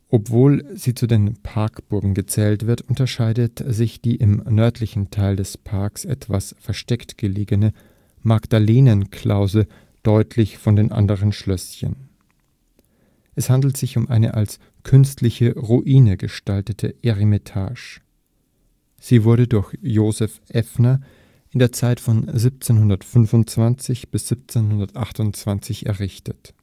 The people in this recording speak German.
Obwohl sie zu den Parkburgen gezählt wird, unterscheidet sich die im nördlichen Teil des Parks etwas versteckt gelegene Magdalenenklause deutlich von den anderen Schlösschen. Es handelt sich um eine als künstliche Ruine gestaltete Eremitage. Sie wurde durch Joseph Effner in der Zeit von 1725 bis 1728 errichtet